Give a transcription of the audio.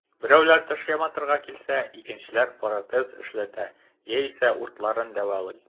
Берәүләр теш яматырга килсә, икенчеләр протез эшләтә яисә уртларын дәвалый.